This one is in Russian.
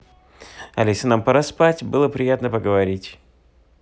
алиса нам пора спать было приятно поговорить